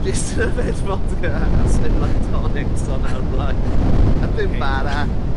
jys yfed fodca a slim line tonics o nawr mlaen. Oce. A dim bara.